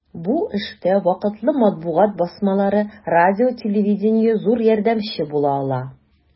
Бу эштә вакытлы матбугат басмалары, радио-телевидение зур ярдәмче була ала.